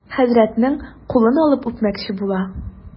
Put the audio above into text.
Хәзрәтнең кулын алып үпмәкче була.